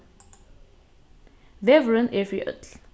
vegurin er fyri øll